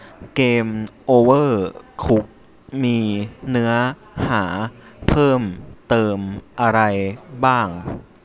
เกมโอเวอร์คุกมีเนื้อหาเพิ่มเติมอะไรบ้าง